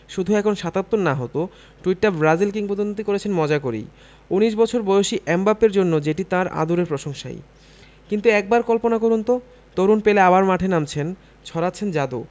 শুধু এখন ৭৭ না হতো টুইটটা ব্রাজিল কিংবদন্তি করেছেন মজা করেই ১৯ বছর বয়সী এমবাপ্পের জন্য যেটি তাঁর আদুরে প্রশংসাই কিন্তু একবার কল্পনা করুন তো তরুণ পেলে আবার মাঠে নামছেন ছড়াচ্ছেন জাদু